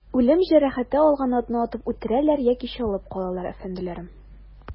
Үлем җәрәхәте алган атны атып үтерәләр яки чалып калалар, әфәнделәрем.